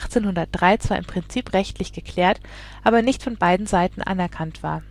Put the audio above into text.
1803 zwar im Prinzip rechtlich geklärt, aber nicht von beiden Seiten anerkannt war